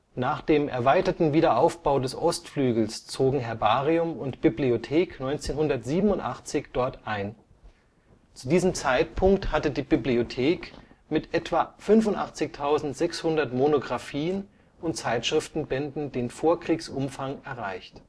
Nach dem erweiterten Wiederaufbau des Ostflügels zogen Herbarium und Bibliothek 1987 dort ein. Zu diesem Zeitpunkt hatte die Bibliothek mit etwa 85.600 Monografien und Zeitschriftenbänden den Vorkriegsumfang erreicht